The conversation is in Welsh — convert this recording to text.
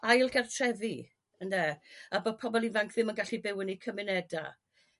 Ailgartrefi ynde? A bo' pobol ifanc ddim yn gallu byw yn 'u cymuneda'.